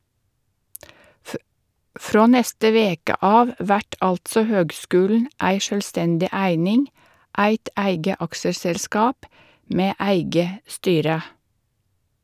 Frå neste veke av vert altså høgskulen ei sjølvstendig eining, eit eige aksjeselskap med eige styre.